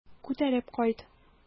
Күтәреп кайт.